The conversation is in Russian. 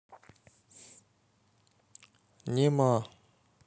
нема